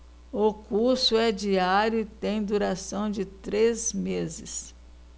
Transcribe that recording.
o curso é diário e tem duração de três meses